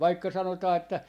vaikka sanotaan että